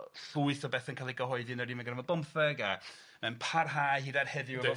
llwyth o bethe'n ca'l 'u cyhoeddi yn yr unfe ganrif ar bymtheg a ma' e'n parhau hyd at heddiw... Yndi.